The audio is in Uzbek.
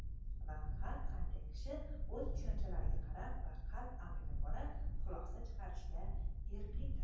va har bir kishi o'z tushunchalariga qarab va qalb amriga ko'ra xulosa chiqarishga erklidir